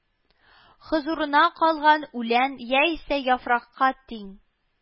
Хозурына калган үлән яисә яфракка тиң